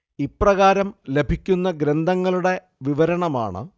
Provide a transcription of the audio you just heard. ഇപ്രകാരം ലഭിക്കുന്ന ഗ്രന്ഥങ്ങളുടെ വിവരണമാണ്